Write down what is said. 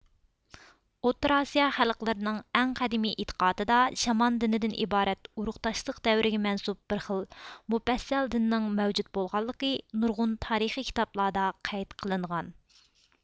ئوتتۇرا ئاسىيا خەلقلىرىنىڭ ئەڭ قەدىمكى ئېتىقادىدا شامان دىنىدىن ئىبارەت ئۇرۇقداشلىق دەۋرىگە مەنسۇپ بىر خىل مۇپەسسەل دىننىڭ مەۋجۇت بولغانلىقى نۇرغۇنلىغان تارىخىي كىتابلاردا قەيت قىلىنغان